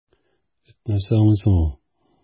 Эт нәрсә аңлый соң ул!